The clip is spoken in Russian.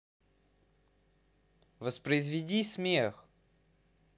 воспроизведи смех